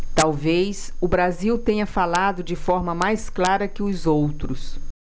talvez o brasil tenha falado de forma mais clara que os outros